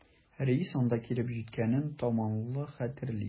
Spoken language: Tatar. Рәис анда килеп җиткәнен томанлы хәтерли.